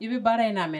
I bɛ baara in lamɛn